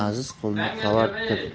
aziz qo'lni qavartir